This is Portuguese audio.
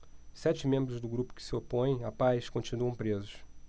sete membros do grupo que se opõe à paz continuam presos